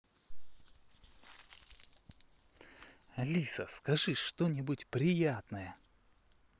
алиса скажи что нибудь приятное